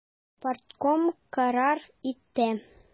Партком карар итте.